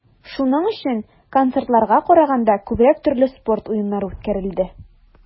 Шуның өчен, концертларга караганда, күбрәк төрле спорт уеннары үткәрелде.